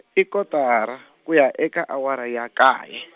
i kotara, ku ya eka awara ya nkaye.